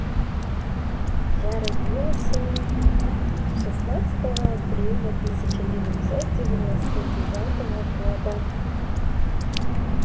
я родился шестнадцатого апреля тысяча девятьсот девяносто девятого года